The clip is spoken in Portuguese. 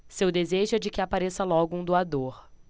seu desejo é de que apareça logo um doador